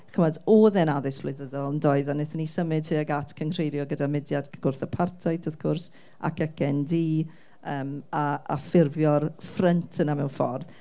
chimod oedd e'n addysg gwleidyddol, yn doedd a wnaethon ni symud tuag at cyngrheirio gyda mudiad gwrth apartheid, wrth gwrs, ac CND, yym a a ffurfio'r ffrynt yna mewn ffordd.